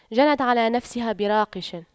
جنت على نفسها براقش